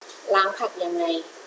ล้างผักยังไง